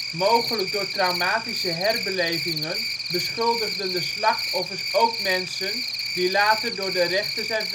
Mogelijk door traumatische herbelevingen beschuldigden de slachtoffers ook mensen die later door de rechter zijn